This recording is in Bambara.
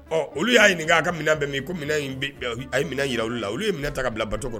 Ɔ olu y'a ɲininka k' a ka minɛn bɛ min ko inɛn a ye minɛ jira u la olu ye minɛn ta ka bila bateau kɔnɔ